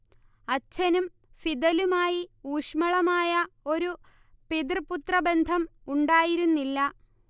അച്ഛനും ഫിദലുമായി ഊഷ്മളമായ ഒരു പിതൃ പുത്രബന്ധം ഉണ്ടായിരുന്നില്ല